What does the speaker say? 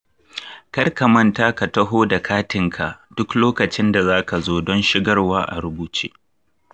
kar ka manta ka taho da katinka duk lokacin da zaka zo don shigarwa a rubuce.